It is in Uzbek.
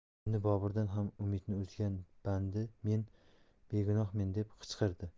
endi boburdan ham umidini uzgan bandi men begunohmen deb qichqirdi